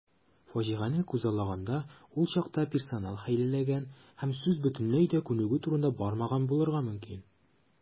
Фаҗигане күзаллаганда, ул чакта персонал хәйләләгән һәм сүз бөтенләй дә күнегү турында бармаган булырга мөмкин.